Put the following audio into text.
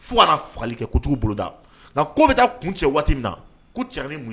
Fo fagali kɛ boloda nka ko bɛ taa kun cɛ waati min na ca ni ye